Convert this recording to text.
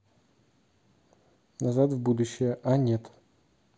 назад в будущее а нет